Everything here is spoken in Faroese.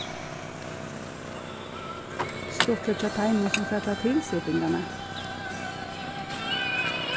stuttligt hjá teimum sum fata tilsipingarnar